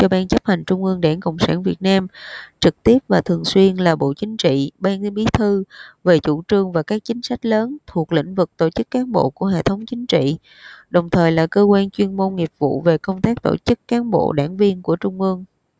ban chấp hành trung ương đảng cộng sản việt nam trực tiếp và thường xuyên là bộ chính trị ban bí thư về chủ trương và các chính sách lớn thuộc lĩnh vực tổ chức cán bộ của hệ thống chính trị đồng thời là cơ quan chuyên môn nghiệp vụ về công tác tổ chức cán bộ đảng viên của trung ương